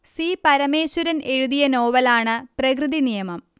C Parameswaran എഴുതിയ നോവലാണ് പ്രകൃതിനിയമം